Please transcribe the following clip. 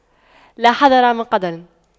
لا حذر من قدر